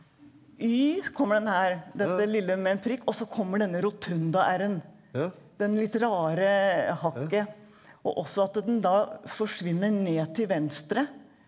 Y kommer den her dette lille med en prikk og så kommer denne rotunda R-en, den litt rare hakket og også at den da forsvinner ned til venstre.